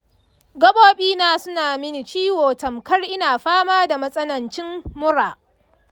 gaɓoɓi na suna mini ciwo tamkar ina fama da matsanancin mura.